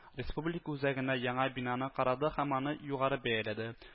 Республика үзәгенә яңа бинаны карады һәм аны югары бәяләде